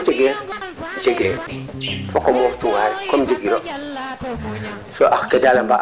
kaa seera a seera ɗomu a waag anga gara teela daal fiya tiye te faax